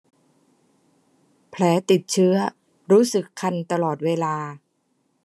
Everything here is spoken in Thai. แผลติดเชื้อรู้สึกคันตลอดเวลา